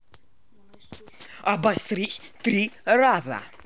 обосрись три раза